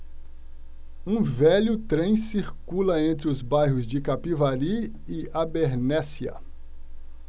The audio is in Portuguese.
um velho trem circula entre os bairros de capivari e abernéssia